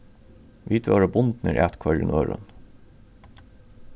vit vóru bundnir at hvørjum øðrum